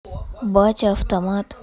батя автомат